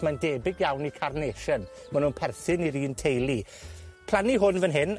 mae'n debyg iawn i Carnation, ma' nw'n perthyn i'r un teulu. Plannu hwn fan hyn